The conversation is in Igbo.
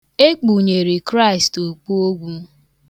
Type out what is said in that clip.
Ekpunyere Kraịst okpu ogwu.